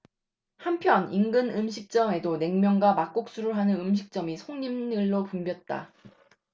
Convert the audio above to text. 한편 인근 음식점에도 냉면과 막국수를 하는 음식점이 손님들로 붐볐다